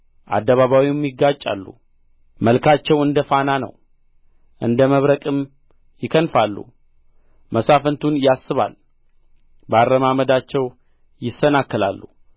አደባባይም ይጋጫሉ መልካቸው እንደ ፋና ነው እንደ መብረቅም ይከንፋሉ መሳፍንቱን ያስባል በአረማመዳቸው ይሰናከላሉ